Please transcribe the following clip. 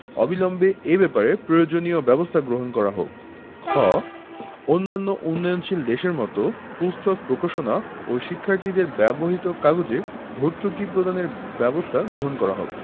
অবিলম্বে এই ব্যাপারে প্রয়োজনীয় ব্যাবস্থা গ্রহণ করা হোক খ অন্যান্য উন্নয়নশীল দেশের মত পুস্তক প্রকাশনা ও শিক্ষার্থীদের ব্যবহৃত কাগজে ভর্তুকি প্রদানের ব্যবস্থা গ্রহণ করা হোক